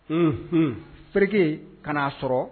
H h pereke ka'a sɔrɔ